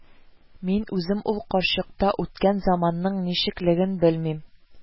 Мин үзем ул карчыкта үткән заманның ничеклеген белмим